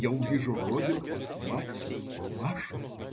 Я увижу родину, мать, Машу.